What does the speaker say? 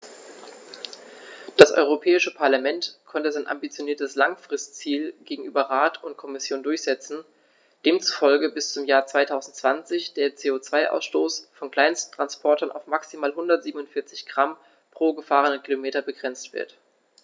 Das Europäische Parlament konnte sein ambitioniertes Langfristziel gegenüber Rat und Kommission durchsetzen, demzufolge bis zum Jahr 2020 der CO2-Ausstoß von Kleinsttransportern auf maximal 147 Gramm pro gefahrenem Kilometer begrenzt wird.